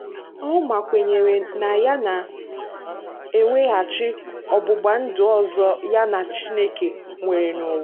Ouma kwenyere na ya na-eweghachi ọgbụgba ndụ ọzọ ya na Chineke nwere n'ụwa.